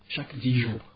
chaque dix jours